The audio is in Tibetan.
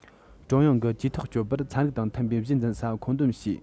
ཀྲུང དབྱང གིས ཇུས ཐག གཅོད པར ཚན རིག དང མཐུན པའི གཞི འཛིན ས མཁོ འདོན བྱས